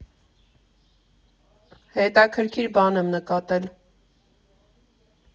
Հետաքրքիր բան եմ նկատել.